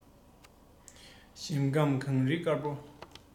ཞིང ཁམས གངས རི དཀར པོ